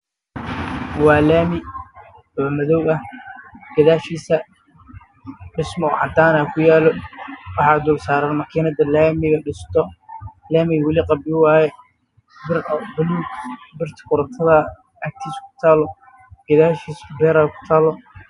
Waa laami madow ah gadaa shiida dhismo cadaan baa ku yaalo